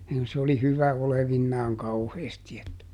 se oli hyvä olevinaan kauheasti että